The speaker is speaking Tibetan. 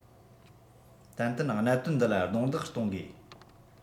ཏན ཏན གནད དོན འདི ལ རྡུང རྡེག གཏོང དགོས